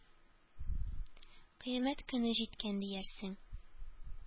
Кыямәт көне җиткән диярсең.